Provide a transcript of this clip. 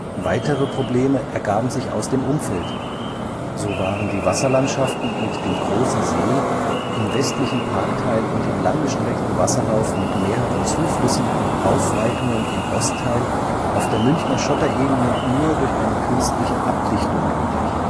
Weitere Probleme ergaben sich aus dem Umfeld, so waren die Wasserlandschaften mit dem großen See im westlichen Parkteil und dem lang gestreckten Wasserlauf mit mehreren Zuflüssen und Aufweitungen im Ostteil auf der Münchner Schotterebene nur durch eine künstliche Abdichtung möglich